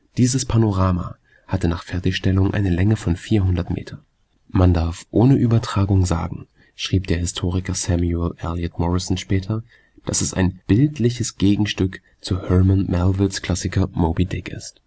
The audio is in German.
Dieses Panorama hatte nach Fertigstellung eine Länge von 400 Meter. „ Man darf ohne Übertragung sagen “, schrieb der Historiker Samuel Eliot Morison später, „ dass es ein bildliches Gegenstück zu Herman Melvilles Klassiker Moby Dick ist